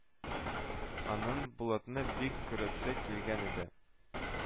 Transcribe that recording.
Аның Булатны бик күрәсе килгән иде